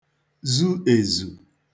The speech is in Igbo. zu èzù